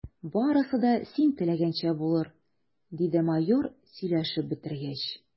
Барысы да син теләгәнчә булыр, – диде майор, сөйләшеп бетергәч.